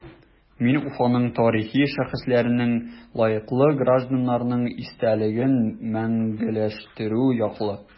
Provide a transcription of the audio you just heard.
Мин Уфаның тарихи шәхесләренең, лаеклы гражданнарның истәлеген мәңгеләштерү яклы.